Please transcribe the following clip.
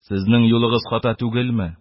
Сезнең юлыгыз хата түгелме?